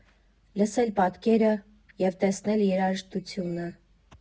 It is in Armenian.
Լսել պատկերը և տեսնել երաժշտությունը.